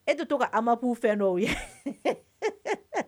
E tɛ to ka a mau fɛn dɔw o ye